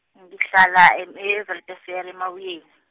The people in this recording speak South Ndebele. ngihlala, em- e- Weltevrede eMabuyeni.